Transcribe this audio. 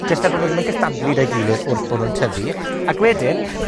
jest er bo' nw ddim yn gystadlu 'da'i gilydd wrth bo' nw'n tyfu, ac wedyn